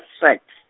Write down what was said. -swati.